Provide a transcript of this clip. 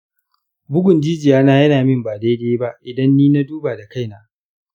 bugun jijiya na yana min ba daidai ba idan ni na duba da kaina.